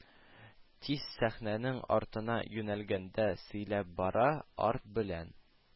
Тист сәхнәнең артына юнәлгәндә сөйләп бара, арт белән